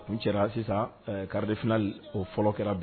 N cɛ sisan kari de fana o fɔlɔ kɛra bi